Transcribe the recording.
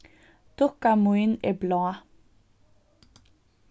dukka mín er blá